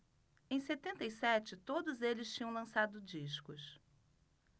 em setenta e sete todos eles tinham lançado discos